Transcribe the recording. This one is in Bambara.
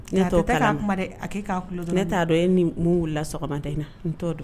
Ne t'o kalama, i kana kuma dɛ ,a te ye ka tulon kɛ, ne t'a dɔn e ni min wulila sgɔmada in na, ne t'a don.